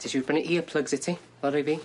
Tisio fi brynu earplugs i ti fel rei fi?